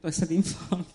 does 'na ddim ffordd